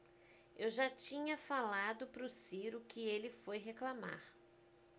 eu já tinha falado pro ciro que ele foi reclamar